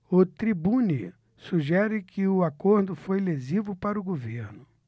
o tribune sugere que o acordo foi lesivo para o governo